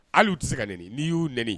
Hali tɛ se ka n'i y'o n